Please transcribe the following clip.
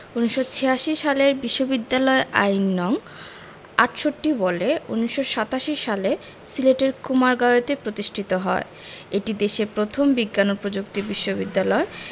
১৯৮৬ সালের বিশ্ববিদ্যালয় আইন নং ৬৮ বলে ১৯৮৭ সালে সিলেটের কুমারগাঁওতে প্রতিষ্ঠিত হয় এটি দেশের প্রথম বিজ্ঞান ও প্রযুক্তি বিশ্ববিদ্যালয় এ